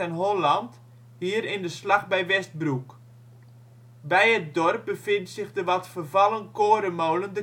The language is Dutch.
Holland hier in de Slag bij Westbroek. Bij het dorp bevindt zich de wat vervallen korenmolen